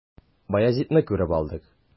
Баязитны күреп алдык.